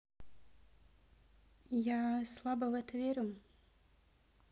я слабо в это верю